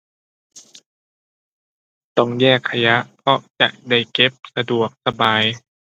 ต้องแยกขยะ เพราะจะได้เก็บสะดวกสบาย